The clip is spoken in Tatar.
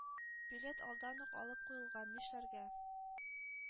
Билет алдан ук алып куелган. Нишләргә?